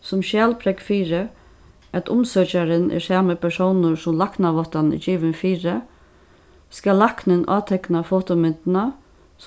sum skjalprógv fyri at umsøkjarin er sami persónur sum læknaváttanin er givin fyri skal læknin átekna fotomyndina